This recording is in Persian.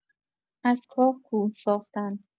از کاه کوه ساختن